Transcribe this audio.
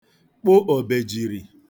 kpụ òbèjìrì